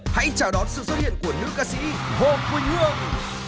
hãy chào đón sự xuất hiện của nữ ca sĩ hồ quỳnh hương